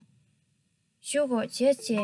བཞུགས དགོས རྗེས སུ མཇལ ཡོང